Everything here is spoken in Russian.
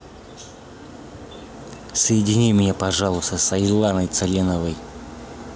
соедини меня пожалуйста с айланой цыреновой